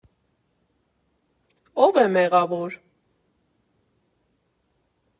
Ո՞վ է մեղավոր։